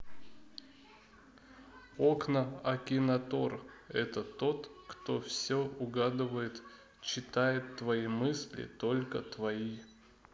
окна акинатор это тот кто все угадывает читает твои мысли только твои